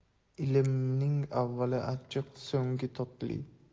limning avvali achchiq so'ngi totli